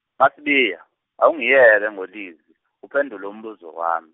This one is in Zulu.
Masibiya, awungiyeke ngoLizzy uphendule umbuzo wami.